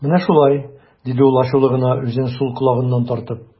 Менә шулай, - диде ул ачулы гына, үзен сул колагыннан тартып.